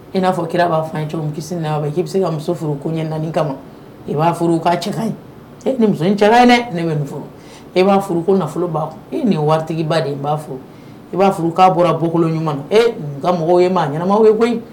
I n'a fɔ kira b'a fɔ an ye cogo min kisi ni nɛɛma b'a ye k'i be se ka muso furu koɲɛ 4 kama i b'a furu ka cɛkaɲi e nin muso in cɛkaɲi nɛ ne be nin furu i b'a furu ko nafolo b'a kun e nin ye wɔritigiba de ye n b'a furu i b'a furu k'a bɔra bɔkolo ɲuman na ee nin ka mɔgɔw ye maa ɲɛnama ye koyi